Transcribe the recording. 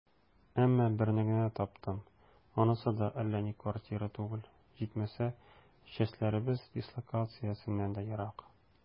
Әмма берне генә таптым, анысы да әллә ни квартира түгел, җитмәсә, частьләребез дислокациясеннән дә ерак.